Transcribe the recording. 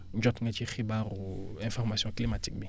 jot nga ci xibaaru information climatique bi